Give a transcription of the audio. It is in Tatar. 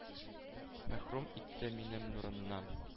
Мәхрүм итте мине нурыннан.